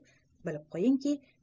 bilib qo'yingki